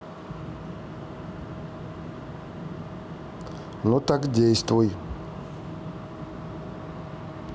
ну так действуй